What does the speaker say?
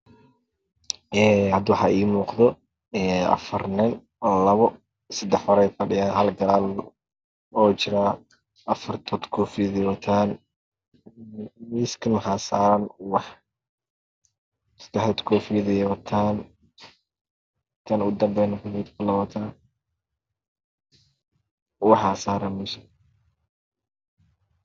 Hadda waxaa ii muuqdo afar nin seddax. horay. fadhiyaan hal. gadaal. jiraa afarta koofi. wadtaan miis waxaa saran seddax koofi wadtaan kan u danbeyo asna. wuu wataa ubax saaran meesha